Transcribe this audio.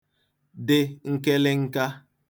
dị nkịlịnka